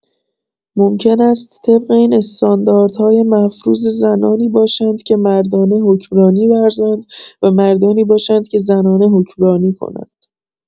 ممکن است طبق این استانداردهای مفروض زنانی باشند که مردانه حکمرانی ورزند و مردانی باشند که زنانه حکمرانی کنند.